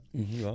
waaw